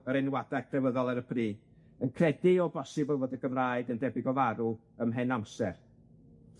yr enwada crefyddol ar y pryd yn credu o bosibl fod y Gymraeg yn debyg o farw ymhen amser.